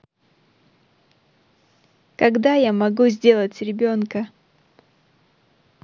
когда я смогу сделать ребенка